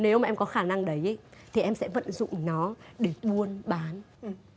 nếu mà em có khả năng đấy thì em sẽ vận dụng nó để buôn bán